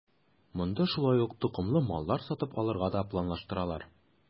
Монда шулай ук токымлы маллар сатып алырга да планлаштыралар.